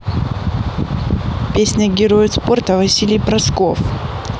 песня герои спорта василий просков